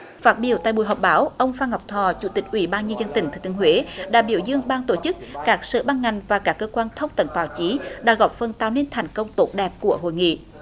phát biểu tại buổi họp báo ông phan ngọc thọ chủ tịch ủy ban nhân dân tỉnh thừa thiên huế đã biểu dương ban tổ chức các sở ban ngành và các cơ quan thông tấn báo chí đã góp phần tạo nên thành công tốt đẹp của hội nghị